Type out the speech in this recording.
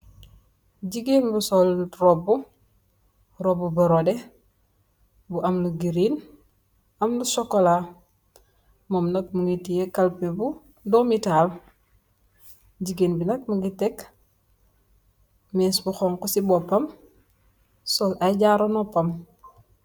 Gigeen bu sol róbbu, róbbu borodeh bu am lu green am lu sokola. Mum nak mugii teyeh kalpèh bu doomi tahal . Gigeen bi nak mugii tek més bu xonxu ci bópam sol ay jaru nopam.